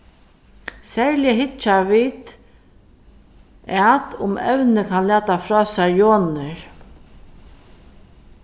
serliga hyggja vit at um evnið kann lata frá sær jonir